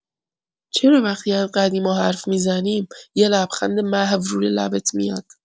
چرا وقتی از قدیما حرف می‌زنیم، یه لبخند محو روی لبت میاد؟